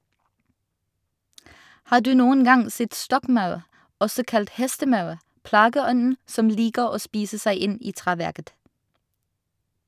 Har du noen gang sett stokkmaur, også kalt hestemaur, plageånden som liker å spise seg inn i treverket?